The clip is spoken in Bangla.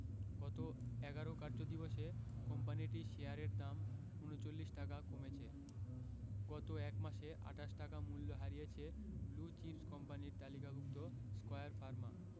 গত ১১ কার্যদিবসে কোম্পানিটির শেয়ারের দাম ৩৯ টাকা কমেছে গত এক মাসে ২৮ টাকা মূল্য হারিয়েছে ব্লু চিপস কোম্পানির তালিকাভুক্ত স্কয়ার ফার্মা